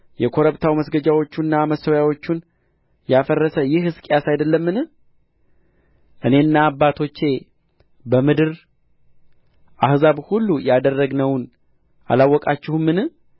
የኮረብታው መስገጃዎቹና መሠዊያዎቹን ያፈረሰ ይህ ሕዝቅያስ አይደለምን እኔና አባቶቼ በምድር አሕዛብ ሁሉ ያደረግነውን አላወቃችሁምን